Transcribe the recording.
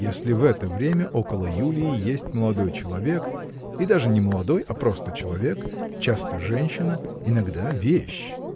если в это время около Юлии есть молодой человек и даже не молодой а просто человек часто женщина иногда – вещь.